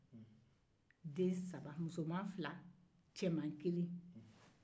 den saba musomen fila cɛman kelen